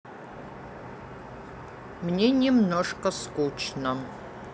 мне немного скучно